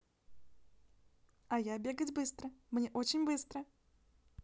а я бегать быстро мне очень быстро